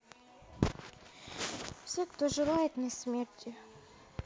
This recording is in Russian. все кто желает мне смерти